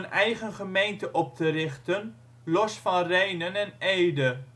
eigen gemeente op te richten, los van Rhenen en Ede